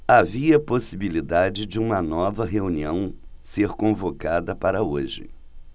havia possibilidade de uma nova reunião ser convocada para hoje